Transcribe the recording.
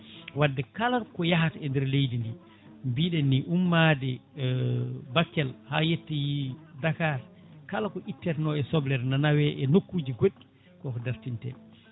wadde kala ko yahata e nder leydi ndi mbiɗen ni umma Bakel ha yettoyi Dakar kala ko itteno e soblere ne nawe e nokkuji goɗɗi koko dartinte